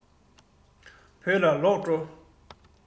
བོད ལ ལོག འགྲོ